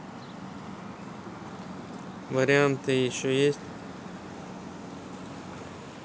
варианты еще есть